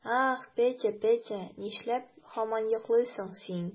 Ах, Петя, Петя, нишләп һаман йоклыйсың син?